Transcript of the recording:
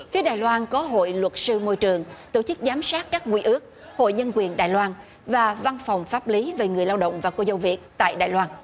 phía đài loan có hội luật sư môi trường tổ chức giám sát các quy ước hội nhân quyền đài loan và văn phòng pháp lý về người lao động và cô dâu việt tại đài loan